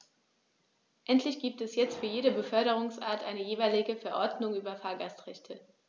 Endlich gibt es jetzt für jede Beförderungsart eine jeweilige Verordnung über Fahrgastrechte.